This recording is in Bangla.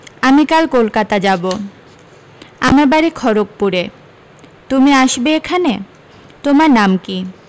আমি কাল কলকাতা যাব আমার বাড়ী খড়গপুরে তুমি আসবে এখানে তোমার নাম কী